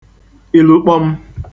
ilukpọm